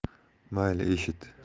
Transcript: mayli eshit